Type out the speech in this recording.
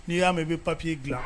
N'i y'a i bɛi papi'i